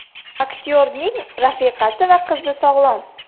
aktyorning rafiqasi va qizi sog'lom